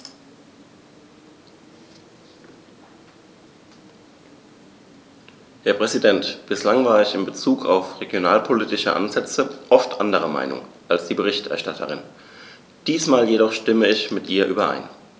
Herr Präsident, bislang war ich in bezug auf regionalpolitische Ansätze oft anderer Meinung als die Berichterstatterin, diesmal jedoch stimme ich mit ihr überein.